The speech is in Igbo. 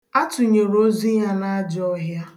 A tụnyere ozu ya na ajọọhịa.